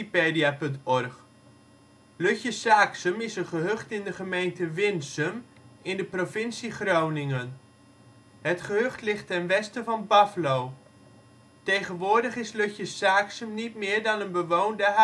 22′ NB, 6° 29′ OL Lutje Saaksum is een gehucht in de gemeente Winsum in de provincie Groningen. Het gehucht ligt ten westen van Baflo. Tegenwoordig is Lutje Saaksum niet meer dan een bewoonde